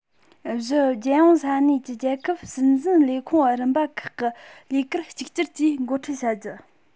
བཞི རྒྱལ ཡོངས ས གནས ཀྱི རྒྱལ ཁབ སྲིད འཛིན ལས ཁུངས རིམ པ ཁག གི ལས ཀར གཅིག གྱུར གྱིས འགོ ཁྲིད བྱ རྒྱུ